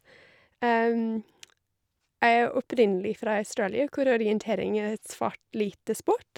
Jeg er opprinnelig fra Australia, hvor orientering er et svært lite sport.